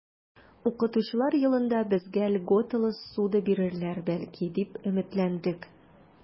Укытучылар елында безгә льготалы ссуда бирерләр, бәлки, дип өметләндек.